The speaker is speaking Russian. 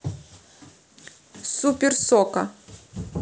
супер сока